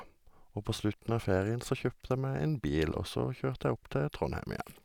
Og på slutten av ferien så kjøpte jeg meg en bil, og så kjørte jeg opp til Trondheim igjen.